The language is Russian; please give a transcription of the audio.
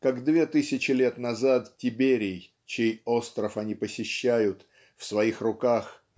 как две тысячи лет назад Гиберий чей остров они посещают в своих руках